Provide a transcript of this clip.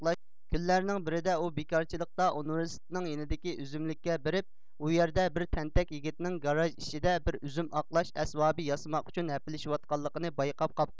كۈنلەرنىڭ بىرىدە ئۇ بىكارچىلىقتا ئۇنىۋېرسىتېتىنىڭ يېنىدىكى ئۈزۈملۈككە بېرىپ ئۇ يەردە بىر تەنتەك يىگىتنىڭ گاراژ ئىچىدە بىر ئۈزۈم ئاقلاش ئەسۋابى ياسىماق ئۈچۈن ھەپىلىشىۋاتقانلىقىنى بايقاپ قاپتۇ